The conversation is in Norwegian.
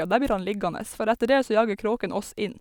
Og der blir han liggende for etter det så jager kråkene oss inn.